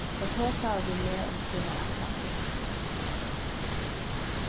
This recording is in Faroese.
teir tosaðu við meg um sínar ætlanir